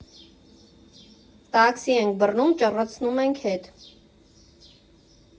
Տաքսի ենք բռնում, ճռցնում ենք հետ։